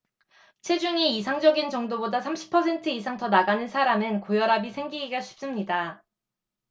체중이 이상적인 정도보다 삼십 퍼센트 이상 더 나가는 사람은 고혈압이 생기기가 쉽습니다